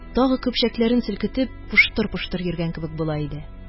Тагы көпчәкләрен селкетеп поштыр-поштыр йөргән кебек була иде